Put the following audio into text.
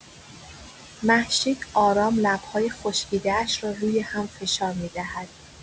مهشید آرام لب‌های خشکیده‌اش را روی‌هم فشار می‌دهد.